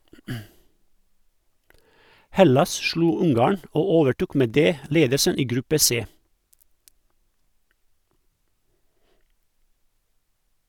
Hellas slo Ungarn, og overtok med det ledelsen i gruppe C.